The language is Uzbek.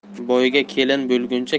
boyga kelin bo'lguncha